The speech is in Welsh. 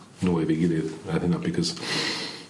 nol efo'i gilydd y- yna because ...